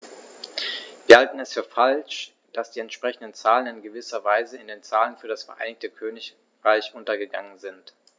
Wir halten es für falsch, dass die entsprechenden Zahlen in gewisser Weise in den Zahlen für das Vereinigte Königreich untergegangen sind.